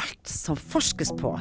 alt som forskes på.